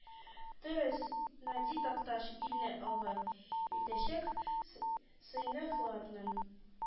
Дөрес, Нади Такташ илне алга илтәчәк сыйсыйныфларның,